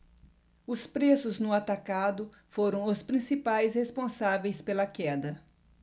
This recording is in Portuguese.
os preços no atacado foram os principais responsáveis pela queda